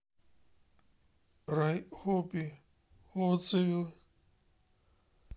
райоби отзывы